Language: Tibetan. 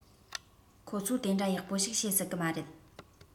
ཁོ ཚོ དེ འདྲ ཡག པོ ཞིག བྱེད སྲིད གི མ རེད